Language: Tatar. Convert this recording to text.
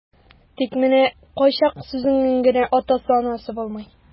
Тик менә кайчак сүзенең генә атасы-анасы булмый.